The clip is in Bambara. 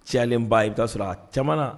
Cɛlenba i bɛ'a sɔrɔ a caman